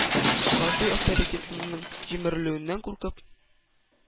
Казый, авторитетының җимерелүеннән куркып,